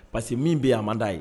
Parce que min bɛ yen, a man di a ye.